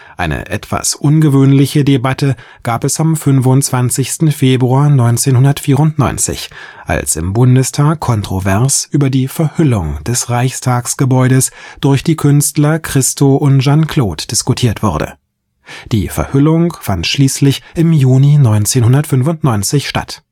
Eine etwas ungewöhnliche Debatte gab es am 25. Februar 1994, als im Bundestag kontrovers über die Verhüllung des Reichstagsgebäudes durch die Künstler Christo und Jeanne-Claude diskutiert wurde. Die Verhüllung fand schließlich im Juni 1995 statt